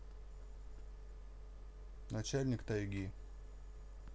начальник тайги